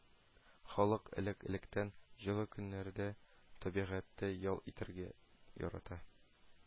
Халык элек-электән җылы көннәрдә табигатьтә ял итәргә ярата